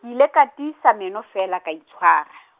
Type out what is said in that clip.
ile ka tiisa meno feela ka itshwara.